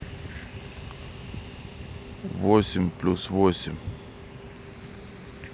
восемь плюс восемь